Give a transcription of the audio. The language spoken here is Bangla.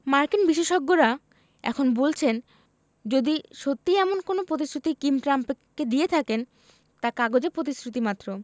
মার্কিন বিশেষজ্ঞেরা এখন বলছেন যদি সত্যি এমন কোনো প্রতিশ্রুতি কিম ট্রাম্পকে দিয়ে থাকেন তা কাগুজে প্রতিশ্রুতিমাত্র